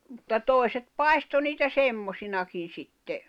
mutta toiset paistoi niitä semmoisinakin sitten